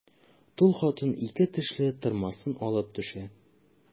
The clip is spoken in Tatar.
Тол хатын ике тешле тырмасын алып төшә.